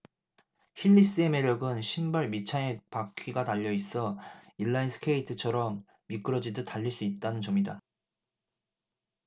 힐리스의 매력은 신발 밑창에 바퀴가 달려 있어 인라인스케이트처럼 미끄러지듯 달릴 수 있다는 점이다